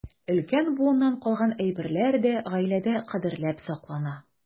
Өлкән буыннан калган әйберләр дә гаиләдә кадерләп саклана.